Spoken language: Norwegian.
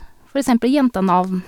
For eksempel jentenavn.